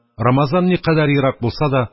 Рамазан никадәр ерак булса да,